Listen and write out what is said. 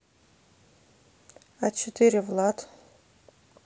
а четыре влад